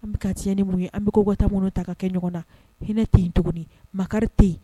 An bɛ ka tiɲɛn ni mun ye an bɛ ko ka minnu ta ka kɛ ɲɔgɔn na hinɛ tɛ yen tuguni makari tɛ yen